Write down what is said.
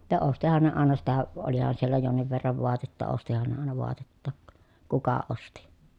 ja ostihan ne aina sitä olihan siellä jonkin verran vaatetta ostihan ne aina vaatettakin kuka osti